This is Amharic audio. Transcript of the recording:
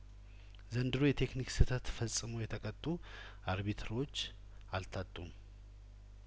ዘንድሮ የቴክኒክ ስህተት ፈጽመው የተቀጡ አርቢትሮች አልታጡም